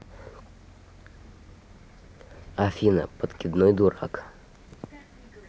афина подкидной дурак